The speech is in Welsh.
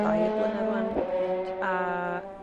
dair blynedd ŵan. Reit. A